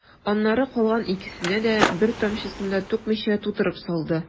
Аннары калган икесенә дә, бер тамчысын да түкмичә, тутырып салды.